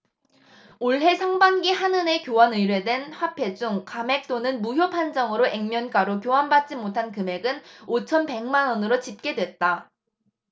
올해 상반기 한은에 교환 의뢰된 화폐 중 감액 또는 무효판정으로 액면가로 교환받지 못한 금액은 오천 백 만원으로 집계됐다